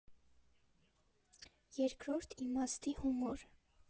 Երկրորդ իմաստի հումոր։